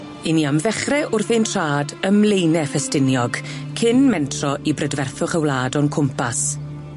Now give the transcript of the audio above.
'Yn ni am ddechre wrth ein trad ym Mlaene Ffestiniog cyn mentro i brydferthwch y wlad o'n cwmpas.